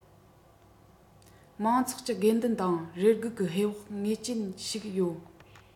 མང ཚོགས ཀྱི དགོས འདུན དང རེ སྒུག ཀྱི ཧེ བག ངེས ཅན ཞིག ཡོད